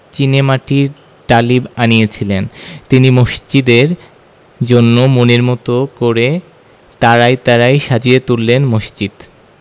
চীনেমাটির টালি আনিয়েছিলেন তিনি মসজিদের জন্যে মনের মতো করে তারায় তারায় সাজিয়ে তুললেন মসজিদ